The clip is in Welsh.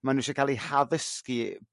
ma' nhw ishio ca'l 'u haddysgu